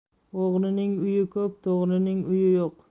o'g'rining uyi ko'p to'g'rining uyi yo'q